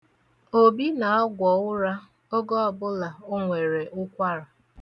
Obi na-agwọ ụra oge ọbụla o nwere ụkwara.